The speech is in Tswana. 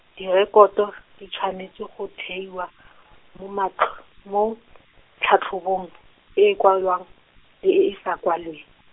Direkoto di tshwanetse go theiwa, mo ma- thl-, mo tlhatlhobong , e e kwalwang le e e sa kwalweng.